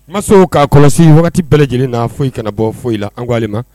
Ŋa soo k'a kɔlɔsi wagati bɛɛ lajɛlenna foyi kana bɔ foyi la an ko ale ma